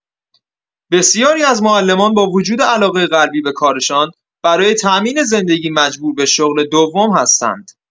بسیاری از معلمان با وجود علاقه قلبی به کارشان، برای تأمین زندگی مجبور به شغل دوم هستند.